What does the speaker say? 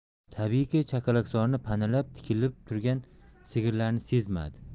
tabiiyki chakalakzorni panalab tikilib turgan sigirlarni sezmadi